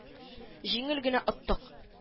Җиңел генә оттык